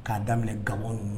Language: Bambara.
K'a daminɛ gabɔ ninnu